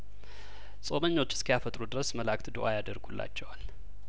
ጾመ ኞች እስኪያፈጥሩ ድረስ መላእክት ዱአያደርጉላቸዋል